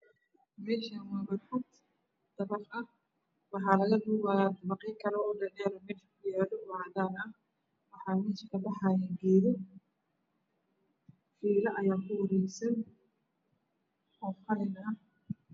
Meeshan waa barxad dabaq ah waxaa laga duubayaa dabaqyo kaloo dheedheer oo mesha kuyaalo oo cadaan ah waxaa meesha kabaxayo geedo fiilo ayaa ku wareegsan oo qalin ah